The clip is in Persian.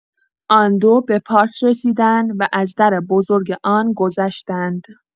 آن دو به پارک رسیدند و از در بزرگ آن گذشتند.